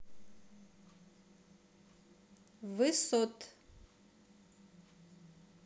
высот